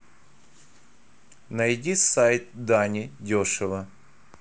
найди сайт дани дешево